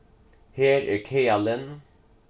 her er kaðalin